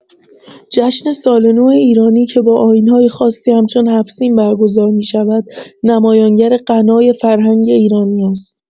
جشن سال‌نو ایرانی که با آیین‌های خاصی همچون هفت‌سین برگزار می‌شود، نمایانگر غنای فرهنگ ایرانی است.